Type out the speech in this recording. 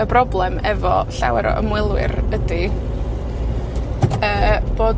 y broblem efo llawer o ymwelwyr ydi, yy, bod